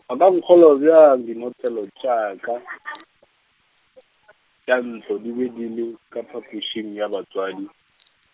a bjang, nkgolwa bjang dinotlelo tša ka , tša ntlo di be di le, ka phapošing ya batswadi?